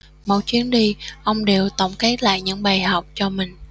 mỗi chuyến đi ông đều tổng kết lại những bài học cho mình